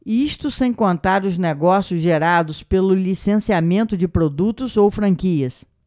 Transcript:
isso sem contar os negócios gerados pelo licenciamento de produtos ou franquias